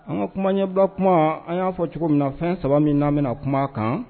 An ka kuma ɲɛba kuma an y'a fɔ cogo min na fɛn saba min'amina na kuma kan